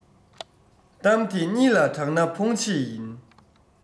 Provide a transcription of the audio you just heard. གཏམ དེ གཉིས ལ གྲགས ན ཕུང བྱེད ཡིན